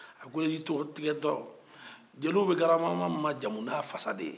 a geleju tigɛ tɔ jeliw bɛ garabamama majamu n'a fasa